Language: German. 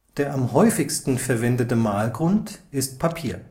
Der am häufigsten verwendete Malgrund ist Papier